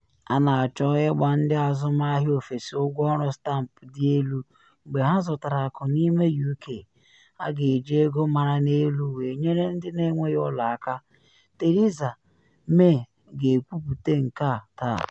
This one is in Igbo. A na achọ ịgba ndị azụmahịa ofesi ụgwọ ọrụ stampụ dị elu mgbe ha zụtara akụ n’ime UK - a ga-eji ego mara n’elu wee nyere ndị na enweghị ụlọ aka, Theresa May ga-ekwupute nke a taa.